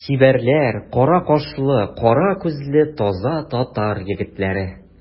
Чибәрләр, кара кашлы, кара күзле таза татар егетләре.